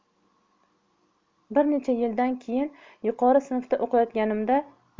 bir necha yildan keyin yuqori sinfda o'qiyotganimda